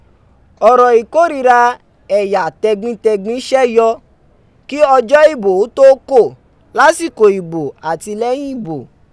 Ọ̀rọ̀ ìkórìíra ẹ̀yà tẹ̀gbintẹ̀gbin ṣẹ́ yọ kí ọjọ́ ìbò ó tó kò, lásìkò ìbò àti lẹ́yìn ìbò.